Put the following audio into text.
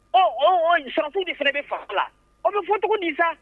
Ɔ , o sɔldasiw de fana bɛ faso la o bɛ fɔ di sa!